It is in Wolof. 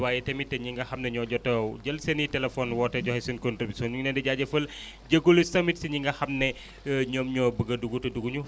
waaye tamit ñi nga xam neñoo jot a jël seen i téléphones woote joxe seen contributions ñu ngi leen di jaajëfal jégalu tamit si ñi nga xam ne ñoom ñoo bëgg a dugg te dugguñu